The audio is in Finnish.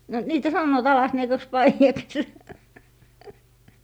no niitä sanovat alasniekaksi paidaksi